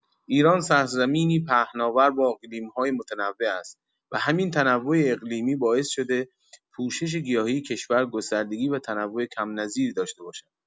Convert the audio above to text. ایران سرزمینی پهناور با اقلیم‌های متنوع است و همین تنوع اقلیمی باعث شده پوشش گیاهی کشور گستردگی و تنوع کم‌نظیری داشته باشد.